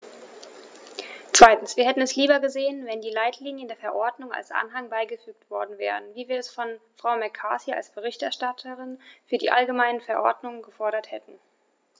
Zweitens: Wir hätten es lieber gesehen, wenn die Leitlinien der Verordnung als Anhang beigefügt worden wären, wie wir es von Frau McCarthy als Berichterstatterin für die allgemeine Verordnung gefordert hatten.